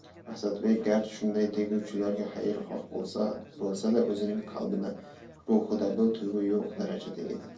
asadbek garchi shunday deguvchilarga hayrixoh bo'lsa da o'zining qalbida ruhida bu tuyg'u yo'q darajada edi